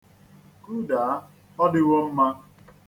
Kudaa, ọ dịwọ mma.